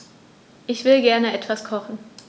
Ich will gerne etwas kochen.